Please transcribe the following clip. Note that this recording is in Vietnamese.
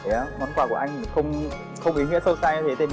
món quà của anh thì không ý nghĩa sâu xa như thế